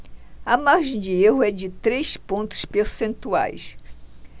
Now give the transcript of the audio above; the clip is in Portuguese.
a margem de erro é de três pontos percentuais